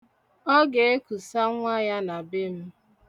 Ọ ga-ekusa nwa ya na be m.